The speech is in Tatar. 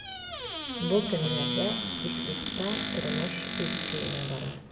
Бу көннәрдә Тифлиста тормыш үз көенә бара.